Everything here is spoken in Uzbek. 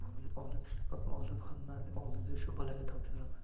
sovrinni olib hammaning oldida shu bolaga topshiraman